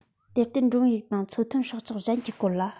དེར བརྟེན འགྲོན བུའི རིགས དང མཚོ ཐོན སྲོག ཆགས གཞན གྱི སྐོར ལ